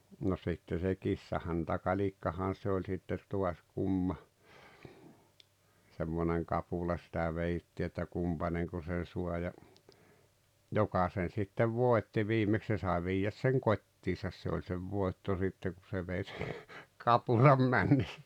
no sitten se kissahäntäkalikkahan se oli sitten taas kumma semmoinen kapula sitä vedettiin että kumpainenko sen saa ja joka sen sitten voitti viimeksi se sai viedä sen kotiinsa se oli sen voitto sitten kun se vei se kapulan mennessään